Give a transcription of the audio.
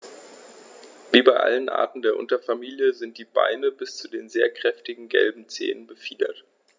Wie bei allen Arten der Unterfamilie sind die Beine bis zu den sehr kräftigen gelben Zehen befiedert.